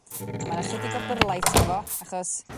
a ma' 'na chydig o byrlite yno fo achos